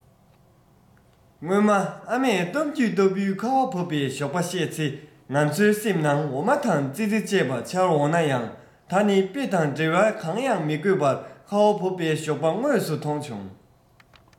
སྔོན མ ཨ མས གཏམ རྒྱུད ལྟ བུའི ཁ བ བབས པའི ཞོགས པ བཤད ཚེ ང ཚོའི སེམས ནང འོ མ དང ཙི ཙི བཅས པ འཆར འོང ན ཡང ད ནི དཔེ དང འགྲེལ བ གང ཡང མི དགོས པར ཁ བ འབབ པའི ཞོགས པ དངོས སུ མཐོང བྱུང